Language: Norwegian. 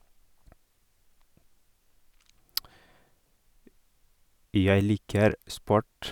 Jeg liker sport.